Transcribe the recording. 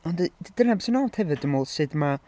Ond d- dyna be sy'n od hefyd dwi'n meddwl sut ma'...